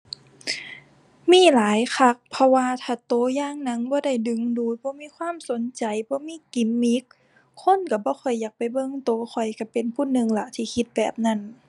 มีหลายคัก เพราะว่าถ้าตัวอย่างหนังบ่ได้ดึงดูด บ่มีความสนใจ บ่มีกิมมิก คนตัวบ่ค่อยอยากไปเบิ่ง ตัวข้อยตัวเป็นผู้หนึ่งล่ะ ที่คิดแบบนั้น